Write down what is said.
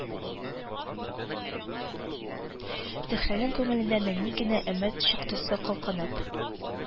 Зөһрәнең күңелендә нәни генә өмет чаткысы калкынып